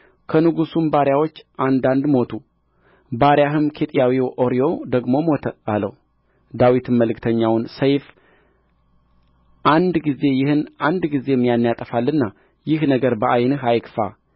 ከንጉሡም ባሪያዎች አንዳንድ ሞቱ ባሪያህም ኬጢያዊው ኦርዮ ደግሞ ሞተ አለው ዳዊትም መልእክተኛውን ሰይፍ አንድ ጊዜ ይህን አንድ ጊዜም ያን ያጠፋልና ይህ ነገር በዓይንህ አይክፋ